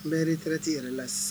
Ntti yɛrɛ la sisan